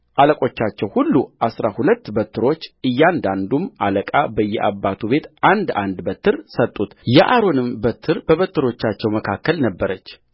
አለቆቻቸው ሁሉ አሥራ ሁለት በትሮች እያንዳንዱም አለቃ በየአባቱ ቤት አንድ አንድ በትር ሰጡት የአሮንም በትር በበትሮቻቸው መካከል ነበረች